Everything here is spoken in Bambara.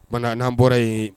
Ban n'an bɔra yen